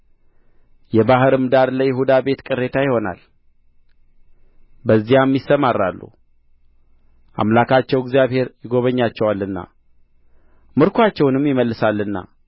የባሕሩም ዳር ለይሁዳ ቤት ቅሬታ ይሆናል በዚያም ይሰማራሉ አምላካቸው እግዚአብሔር ይጐበኛቸዋልና ምርኮአቸውንም ይመልሳልና